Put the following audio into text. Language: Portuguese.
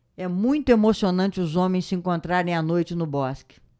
é muito emocionante os homens se encontrarem à noite no bosque